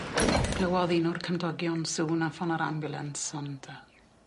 Glywodd un o'r cymdogion sŵn a ffono'r ambiwlans ond yy